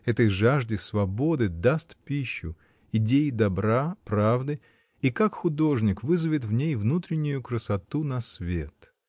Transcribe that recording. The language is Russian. этой жажде свободы даст пищу: идеи добра, правды, и как художник вызовет в ней внутреннюю красоту на свет!